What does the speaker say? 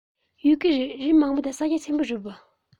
ཡོད ཀྱི རེད རི མང པོ དང ས རྒྱ ཆེན པོ རེད པ